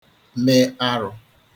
me arụ̄